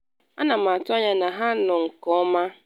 A na m atụ anya na ha nọ nke ọma.”